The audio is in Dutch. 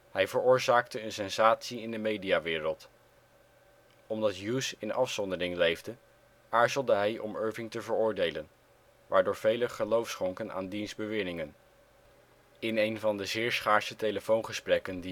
Hij veroorzaakte een sensatie in de mediawereld. Omdat Hughes in afzondering leefde aarzelde hij om Irving te veroordelen, waardoor velen geloof schonken aan diens beweringen. In een van de zeer schaarse telefoongesprekken